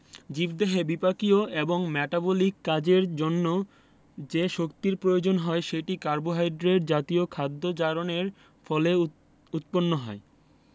জীবদেহে বিপাকীয় বা মেটাবলিক কাজের জন্য যে শক্তির প্রয়োজন হয় সেটি কার্বোহাইড্রেট জাতীয় খাদ্য জারণের ফলে উৎপন্ন হয়